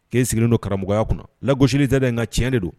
K'e sigilen don karamɔgɔya kama, lagosili tɛ dɛ n ka tiɲɛ de don